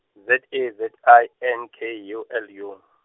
Z A Z I, N K, U L U.